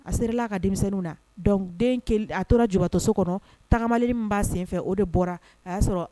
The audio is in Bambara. A seerela a ka denmisɛnninw na donc den kelen a tora jubatɔso kɔnɔ, tagamalen mi b'a senfɛ o de bɔra a y'a sɔrɔ